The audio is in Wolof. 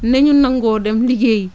nañu nangoo dem liggéeyi